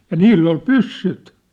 ja niillä oli pyssyt